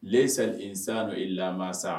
le sa in san n'o i la san